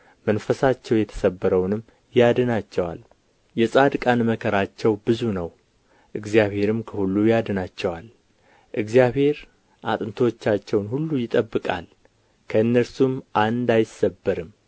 መንፈሳቸው የተሰበረውንም ያድናቸዋል የጻድቃን መከራቸው ብዙ ነው እግዚአብሔርም ከሁሉ ያድናቸዋል እግዚአብሔር አጥንቶቻቸውን ሁሉ ይጠብቃል ከእነርሱም አንድ አይሰበርም